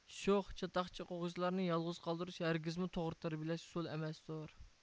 شوخ چاتاقچى ئوقۇغۇچىلارنى يالغۇز قالدۇرۇش ھەرگىزمۇ توغرا تەربىيىلەش ئۇسۇلى ئەمەستۇر